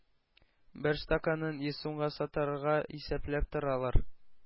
Бер стаканын йөз сумга сатарга исәпләп торалар.